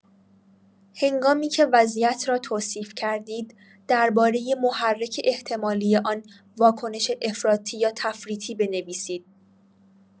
هنگامی‌که وضعیت را توصیف کردید، درباره محرک احتمالی آن واکنش افراطی یا تفریطی بنویسید.